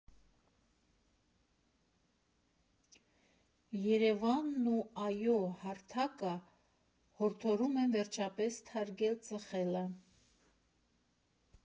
ԵՐԵՎԱՆն ու ԱՅՈ հարթակը հորդորում են վերջապես թարգել ծխելը։